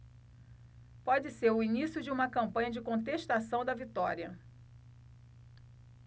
pode ser o início de uma campanha de contestação da vitória